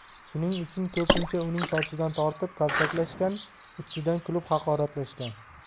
shuning uchun ko'pincha uning sochidan tortib kaltaklashgan ustidan kulib haqoratlashgan